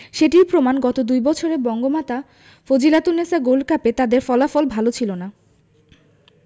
সেটির প্রমাণ গত দুই বছরে বঙ্গমাতা ফজিলাতুন্নেছা গোল্ড কাপে তাদের ফলাফল ভালো ছিল না